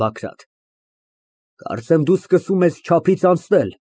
ԲԱԳՐԱՏ ֊ Կարծեմ, դու սկսում ես չափից անցնել։